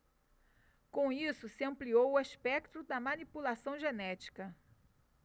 com isso se ampliou o espectro da manipulação genética